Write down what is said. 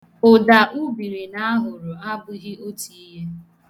Ụda ubiri na ahụrụ abụghị otu ihe.